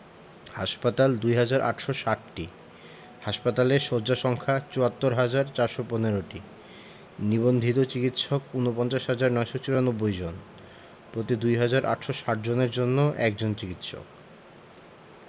হাসপাতাল ২হাজার ৮৬০টি হাসপাতালের শয্যা সংখ্যা ৭৪হাজার ৪১৫টি নিবন্ধিত চিকিৎসক ৪৯হাজার ৯৯৪ জন প্রতি ২হাজার ৮৬০ জনের জন্য একজন চিকিৎসক